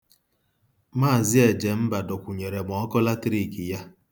Mz. Ejemba dọkwụnyere m ọkụ latriik ya.